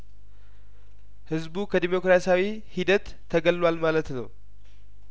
ህዝቡ ከዴሞክራሲያዊ ሂደት ተገልሏል ማለት ነው